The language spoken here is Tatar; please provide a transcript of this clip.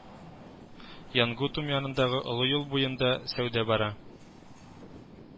Янгутум янындагы олы юл буенда сәүдә бара